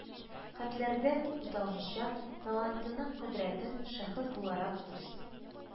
Кәтләрдә буталмыйча, талантының кодрәтен, шәхес буларак үз